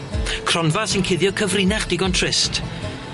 Cronfa sy'n cuddio cyfrinach digon trist.